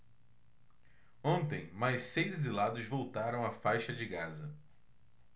ontem mais seis exilados voltaram à faixa de gaza